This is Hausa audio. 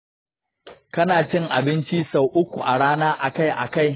kana cin abinci sau uku a rana akai-akai?